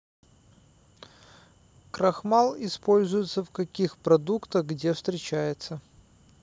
крахмал используется в каких продуктах где встречаются